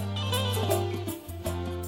San